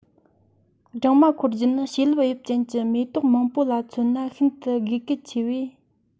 སྦྲང མ འཁོར རྒྱུ ནི ཕྱེ ལེབ དབྱིབས ཅན གྱི མེ ཏོག མང པོ ལ མཚོན ན ཤིན ཏུ དགོས མཁོ ཆེ བས